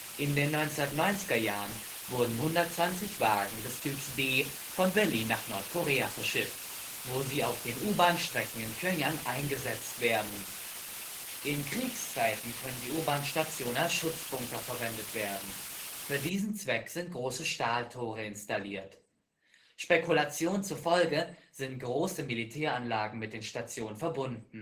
In den 1990er Jahren wurden 120 Wagen des Typs D von Berlin nach Nordkorea verschifft, wo sie auf den U-Bahn-Strecken in Pjöngjang eingesetzt werden. In Kriegszeiten können die U-Bahn-Stationen als Schutzbunker verwendet werden. Für diesen Zweck sind große Stahltore installiert. Spekulationen zufolge sind große Militäranlagen mit den Stationen verbunden